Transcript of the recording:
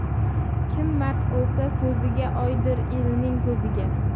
kim mard bo'lsa so'ziga oydir elning ko'ziga